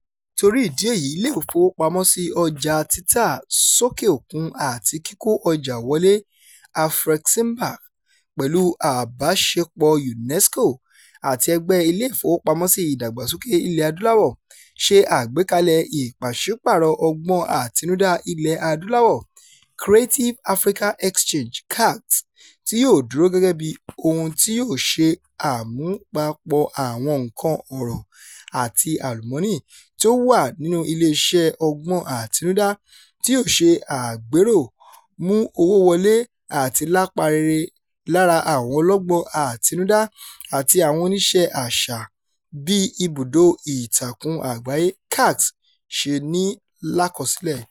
Torí ìdí èyí, Ilé-ìfowópamọ́sí Ọjà títa sókè òkun-àti-kíkó ọjà wọlé (Afreximbank) pẹ̀lú àbáṣepọ̀ọ UNESCO àti Ẹgbẹ́ Ilé-ìfowópamọ́sí Ìdàgbàsókè Ilẹ̀-Adúláwọ̀, ṣe àgbékalẹ̀ Ìpàṣípààrọ̀ Ọgbọ́n Àtinudá Ilẹ̀-Adúláwọ̀ – Creative Africa Exchange (CAX) tí yóò "dúró gẹ́gẹ́ bíi ohun tí yóò ṣe àmúpapọ̀ àwọn nǹkan ọrọ̀ àti àlùmọ́nì tí ó wà nínú iléeṣẹ́ ọgbọ́n àtinudá" tí yóò ṣe àgbéró, mú owó wọlé àti lapa rere lára àwọn ọlọ́gbọ́n àtinudá àti àwọn oníṣẹ́ àṣà, bí ibùdó ìtakùn àgbáyé CAX ṣe ní i lákọsílẹ̀.